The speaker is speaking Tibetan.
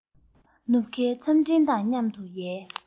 ནུབ ཁའི མཚམས སྤྲིན དང མཉམ དུ ཡལ